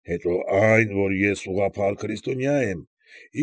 Հետո այն, որ ես ուղղափառ քրիստոնյա եմ։